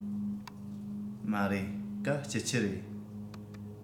མ རེད ག སྐྱིད ཆུ རེད